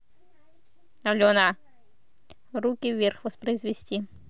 руки вверх воспроизвести